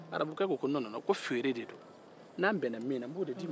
arabukɛ ko nɔn-nɔn-nɔn ko feere de do n'anw bɛnna min na n b'o de d'i man